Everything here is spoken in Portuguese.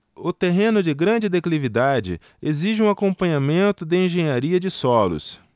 o terreno de grande declividade exige um acompanhamento de engenharia de solos